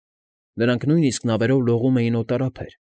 Նրանք նույնիսկ նավերով լողում էին օտար ափեր։